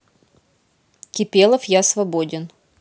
кипелов я свободен